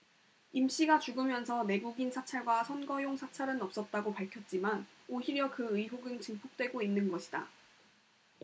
임씨가 죽으면서 내국인 사찰과 선거용 사찰은 없었다고 밝혔지만 오히려 그 의혹은 증폭되고 있는 것이다